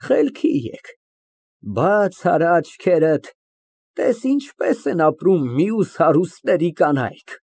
Խելքի եկ, բաց արա աչքերդ, տես ինչպես են ապրում մյուս հարուստների կանայք։